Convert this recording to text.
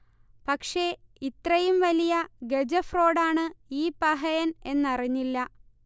പക്ഷേ ഇത്രയും വലിയ ഗജഫ്രോഡാണ് ഈ പഹയൻ എന്നറിഞ്ഞില്ല